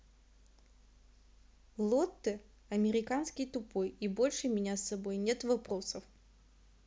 lotte американский тупой и больше меня с собой нет вопросов